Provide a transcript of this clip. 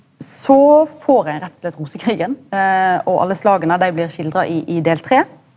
så får ein rett og slett rosekrigen og alle slaga dei blir skildra i i del tre.